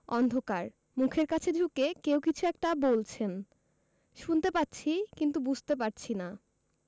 অন্ধকার মুখের কাছে ঝুঁকে কেউ কিছু একটা বলছেন শুনতে পাচ্ছি কিন্তু বুঝতে পারছি না